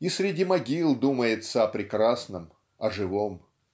И среди могил думается о прекрасном, о живом